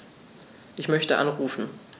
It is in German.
Ich möchte anrufen.